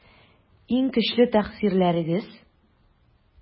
Иң көчле тәэсирләрегез?